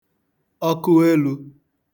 ọkụelū